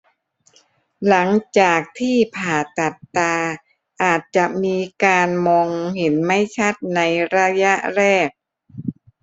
หลังจากที่ผ่าตัดตาอาจจะมีการมองเห็นไม่ชัดในระยะแรก